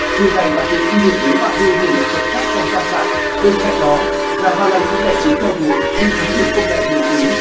điều này đặc biệt nguy hiểm nếu bạn nuôi nhiều động vật khác trong trang trại bên cạnh đó gà malay cũng đẻ trứng theo mùa nhưng chúng thường không đẻ nhiều trứng